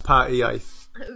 Pa iaith?